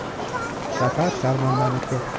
shahar sharmandaniki